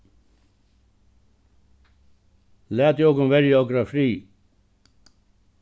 latið okum verja okra frið